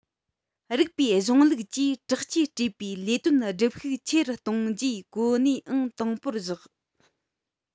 རིགས པའི གཞུང ལུགས ཀྱིས དྲག ཆས སྤྲས པའི ལས དོན སྒྲུབ ཤུགས ཆེ རུ གཏོང རྒྱུའི གོ གནས ཨང དང པོར བཞག